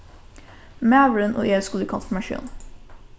maðurin og eg skulu í konfirmatión